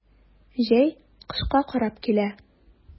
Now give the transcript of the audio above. Җәй кышка карап килә.